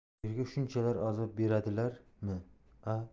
yerga shunchalar azob beradilar mi a